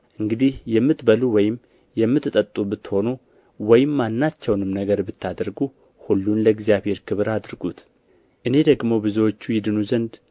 እንግዲህ የምትበሉ ወይም የምትጠጡ ብትሆኑ ወይም ማናቸውን ነገር ብታደርጉ ሁሉን ለእግዚአብሔር ክብር አድርጉት እኔ ደግሞ ብዙዎቹ ይድኑ ዘንድ